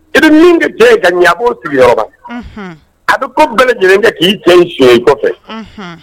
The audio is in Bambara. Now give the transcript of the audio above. I bɛ min kɛ den ka ɲabɔ sigiyɔrɔ a bɛ ko bɛɛ lajɛlen kɛ k'i cɛ so in kɔfɛ